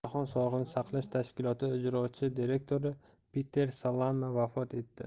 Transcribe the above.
jahon sog'liqni saqlash tashkiloti ijrochi direktori piter salama vafot etdi